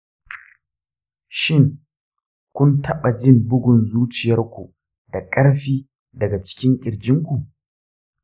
shin, kun taɓa jin bugun zuciyar ku da ƙarfi daga cikin kirji ku?